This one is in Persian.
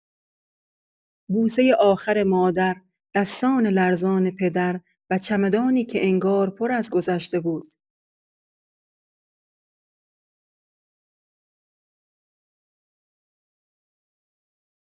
بوسۀ آخر مادر، دست لرزان پدر، و چمدانی که انگار پر از گذشته بود.